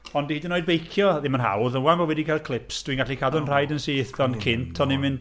Ond hyd yn oed beicio ddim yn hawdd. 'Wan bod fi 'di cael clips dwi'n gallu cadw'n nhraed yn syth. Ond cynt o'n i'n mynd...